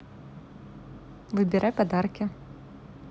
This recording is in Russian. выбирай подарки